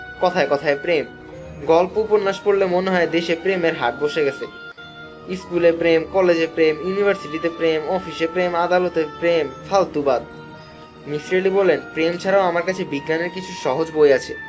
কথায় কথায় প্রেম গল্প উপন্যাস পড়লে মনে হয় দেশে প্রেমের হাট বসে গেছে স্কুলে প্রেম কলেজে প্রেম ইউনিভার্সিটি তে প্রেম অফিসে প্রেম আদালতে প্রেম ফালতু বাত মিসির আলী বললেন প্রেম ছাড়াও আমার কাছে বিজ্ঞানের কিছু সহজ বই আছে